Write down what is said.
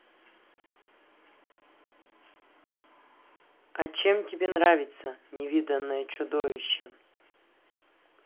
а чем тебе нравится невиданное чудовище